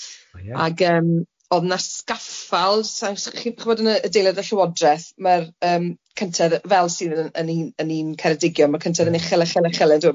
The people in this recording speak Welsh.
Ag yym o'dd 'na sgaffald sai'n si- chi'n chi'bod yn y adeilad y Llywodreth, ma'r yym cyntedd fel sydd yn yn un yn un Ceredigion, ma'r cyntedd yn uchel uchel uchel yndyw e?